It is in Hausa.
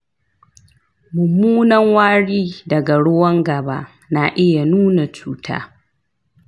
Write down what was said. mummunan wari daga ruwan gaba na iya nuna cuta